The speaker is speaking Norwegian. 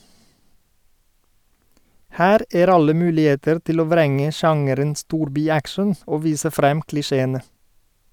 Her er alle muligheter til å vrenge sjangeren storby-action og vise frem klisjeene.